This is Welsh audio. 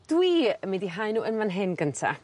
Dwi yn mynd i hau n'w yn fan hyn gynta